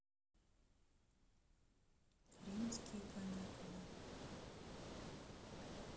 римские каникулы